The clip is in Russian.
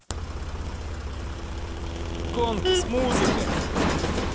гонки с музыкой